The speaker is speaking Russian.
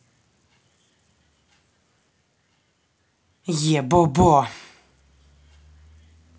ебобо